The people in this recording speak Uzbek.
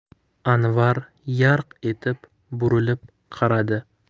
anvar yarq etib burilib qaradi